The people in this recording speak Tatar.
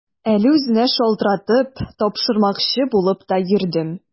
Әле үзенә шалтыратып, тапшырмакчы булып та йөрдем.